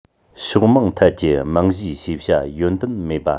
ཕྱོགས མང ཐད ཀྱི རྨང གཞིའི ཤེས བྱ ཡོན ཏན མེད པ